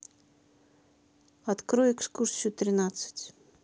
открой экскурсию тринадцать